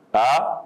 Pa